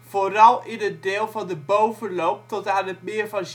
Vooral in het deel van de bovenloop tot aan het meer van